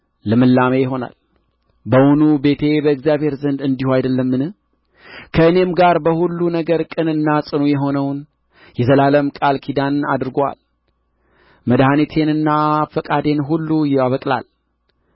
ልምላሜ ይሆናል በውኑ ቤቴ በእግዚአብሔር ዘንድ እንዲሁ አይደለምን ከእኔም ጋር በሁሉ ነገር ቅንና ጽኑ የሆነውን የዘላለም ቃል ኪዳን አድርጎአል መድኃኒቴንና ፈቃዴን ሁሉ ያበቅላል